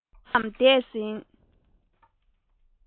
གཅིག ཙམ འདས ཟིན